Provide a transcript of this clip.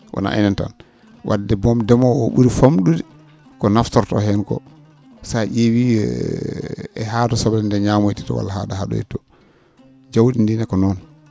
wonaa enen tan wadde boom ndemoowo o ?uri fam?ude ko naftortoo heen ko so a ?ewii e haato soble ?ee ñamoytee to haa?o ha?oyta to jawdi ndii nene ko noon